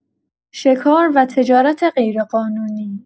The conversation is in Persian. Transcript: شکار و تجارت غیرقانونی